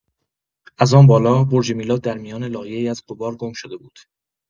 از آن بالا، برج میلاد در میان لایه‌ای از غبار گم شده بود.